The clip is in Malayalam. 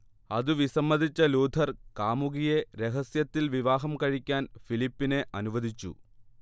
അതു വിസമ്മതിച്ച ലൂഥർ കാമുകിയെ രഹസ്യത്തിൽ വിവാഹം കഴിക്കാൻ ഫിലിപ്പിനെ അനുവദിച്ചു